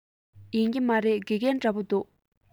ཡིན གྱི མ རེད དགེ རྒན འདྲ པོ འདུག